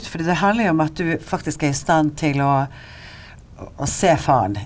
fordi det handler jo om at du faktisk er i stand til å å se faren.